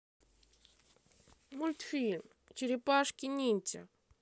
мультфильм черепашки ниндзя